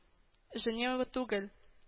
Женева түгел